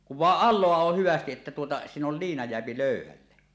kun vain alaa on hyvästi että tuota siinä on liina jää löyhälle